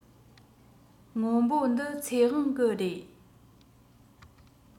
སྔོན པོ འདི ཚེ དབང གི རེད